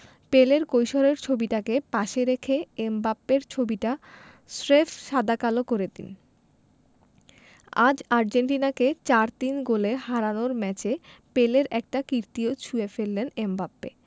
পেলের কৈশোরের ছবিটাকে পাশে রেখে এমবাপ্পের ছবিটা স্রেফ সাদা কালো করে দিন আজ আর্জেন্টিনাকে ৪ ৩ গোলে হারানোর ম্যাচে পেলের একটা কীর্তিও ছুঁয়ে ফেললেন এমবাপ্পে